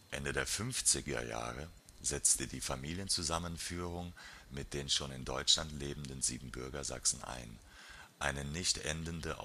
Ende der 50er Jahre setzte die Familienzusammenführung mit den schon in Deutschland lebenden Siebenbürger Sachsen ein. Eine nicht endende Auswanderungskette